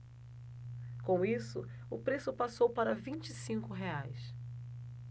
com isso o preço passou para vinte e cinco reais